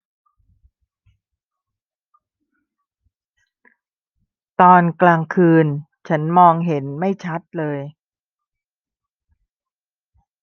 ตอนกลางคืนฉันมองเห็นไม่ชัดเลย